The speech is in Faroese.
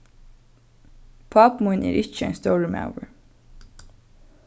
pápi mín er ikki ein stórur maður